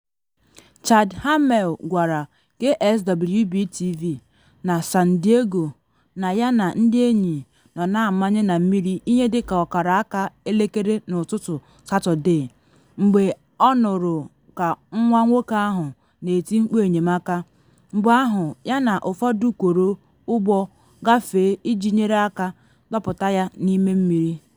Chad Hammel gwara KSWB-TV na San Diego na ya na ndị enyi nọ na amanye na mmiri ihe dị ka ọkara aka elekere n’ụtụtụ Satọde mgbe ọ nụrụ ka nwa nwoke ahụ na eti mkpu enyemaka, mgbe ahụ ya na ụfọdụ kworo ụgbọ gafee iji nyere aka dọpụta ya n’ime mmiri.